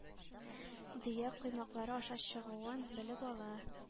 Дөя “коймаклары” аша чыгуын белеп ала.